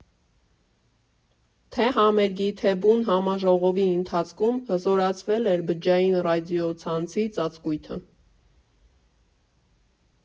Թե՛ համերգի, թե՛ բուն համաժողովի ընթացքում հզորացվել էր բջջային ռադիո֊ցանցի ծածկույթը։